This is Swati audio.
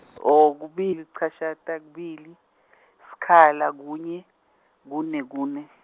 oh, kubili licashata kubili, sikhala kunye, kune kune.